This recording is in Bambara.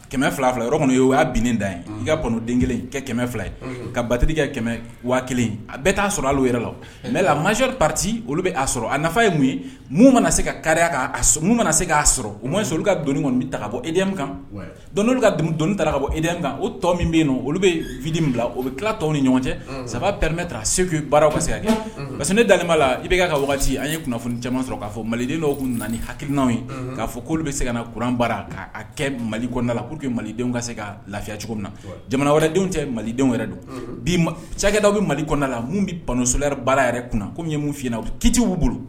Kɛmɛ fila fila yɔrɔ ye o u y' bin da ye i kaden kelen kɛ kɛmɛ fila ye ka batigikɛ kɛmɛ waa kelen a bɛ t' sɔrɔ' yɛrɛ la mɛ la mayri pati olu bɛ'a sɔrɔ a nafa ye mun yeu mana se ka kaa mana se k'a sɔrɔ u ma sɔrɔ u ka dɔnnii kɔni bɛ ta ka bɔ edi min kan don ka dɔnni ta ka bɔ e kan o tɔ min bɛ yen olu bɛ fidi bila o bɛ tila tɔw ni ɲɔgɔn cɛ saba pɛme ta se' baaraw ma se kɛ parce ne dalen b' la i bɛ' ka waati an ye kunnafoni caman sɔrɔ k'a fɔ maliden tun nan hakil ninaw ye k'a fɔ ko'olu bɛ se ka na kuran baara k'a kɛ mali kɔnda la k' ye malidenw ka se ka lafiya cogo min na jamana wɛrɛdenw cɛ malidenw yɛrɛ don bi cada bɛ mali kɔnda la min bɛ panso baara yɛrɛ kunna kɔmi ye mun' kituw b'u bolo